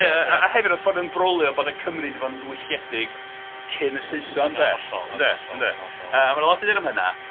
A hefyd y ffordd oedd o'n brolio bod y Cymru 'di bod yn ddiwylliedig cyn y Saeson 'de... Yn hollol, yn hollol, yn hollol... Mae 'na lot i ddweud am hynna.